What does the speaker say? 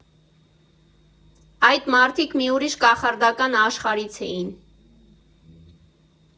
Այդ մարդիկ մի ուրիշ, կախարդական աշխարհից էին։